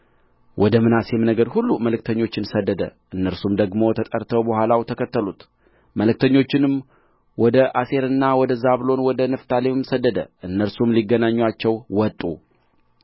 ወደ ምናሴም ነገድ ሁሉ መልክተኞችን ሰደደ እነርሱም ደግሞ ተጠርተው በኋላው ተከተሉት መልክተኞችንም ወደ አሴርና ወደ ዛብሎን ወደ ንፍታሌምም ሰደደ እነርሱም ሊገናኙአቸው ወጡ